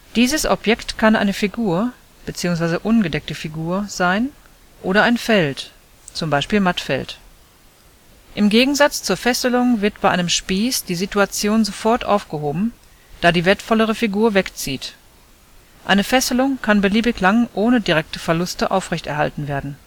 Dieses Objekt kann eine (ungedeckte) Figur sein oder ein Feld (z. B. Mattfeld). Im Gegensatz zur Fesselung wird bei einem Spieß die Situation sofort aufgehoben, da die wertvollere Figur wegzieht (eine Fesselung kann beliebig lang ohne direkte Verluste aufrechterhalten werden